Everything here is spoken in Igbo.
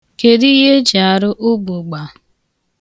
Kedu ihe eji arụ ụgbụgba?